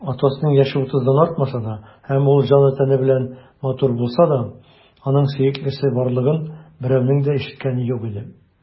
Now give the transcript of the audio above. Атосның яше утыздан артмаса да һәм ул җаны-тәне белән матур булса да, аның сөеклесе барлыгын берәүнең дә ишеткәне юк иде.